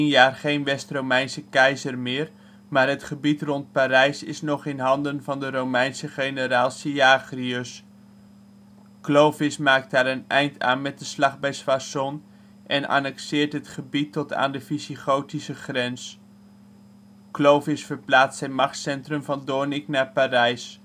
jaar geen West-Romeinse keizer meer, maar het gebied rond Parijs is nog in handen van de Romeinse generaal Syagrius. Clovis maakt daar een eind aan (Slag bij Soissons) en annexeert het gebied tot aan de Visigotische grens (de Loire). Clovis verplaatst zijn machtscentrum van Doornik naar Parijs